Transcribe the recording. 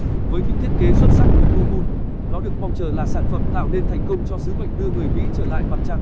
với những thiết kế xuất sắc của blue moon nó được mong chờ là sản phẩm tạo nên thành công cho sứ mệnh đưa người mỹ trở lại mặt trăng